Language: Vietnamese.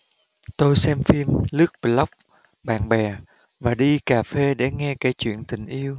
tôi xem phim lướt blog bạn bè và đi cà phê để nghe kể chuyện tình yêu